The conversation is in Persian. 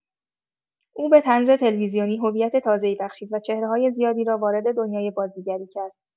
او به طنز تلویزیونی هویت تازه‌ای بخشید و چهره‌های زیادی را وارد دنیای بازیگری کرد.